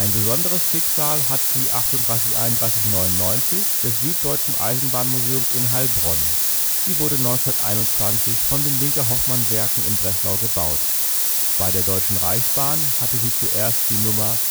besonderes Schicksal hat die 38 3199 des Süddeutschen Eisenbahnmuseums in Heilbronn. Sie wurde 1921 von den Linke-Hofmann-Werken in Breslau gebaut. Bei der Deutschen Reichsbahn hatte sie zuerst die Nummer